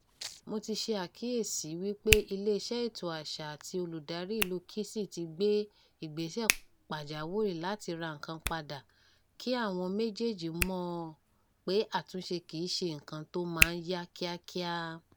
Mo ti ṣe àkíyèsí wípé Iléeṣẹ́ Ètò Àṣà àti Olùdarí ìlúu Kingston ti ń gbé ìgbésẹ̀ẹ pàjáwìrì láti ra nǹkan padà. Kí àwọn méjèèjì mọ̀ pé àtúnṣe kì í ṣe nǹkan tó ma yá kíákíá.